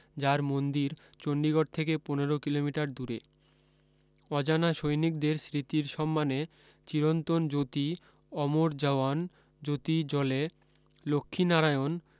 যার মন্দির চন্ডীগড় থেকে পনের কিলোমিটার দূরে অজানা সৈনিকদের স্মৃতির সন্মানে চিরন্তন জ্যোতি অমর জওয়ান জ্যোতি জ্বলে লক্ষী নারায়ণ